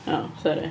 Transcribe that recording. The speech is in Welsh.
O sori.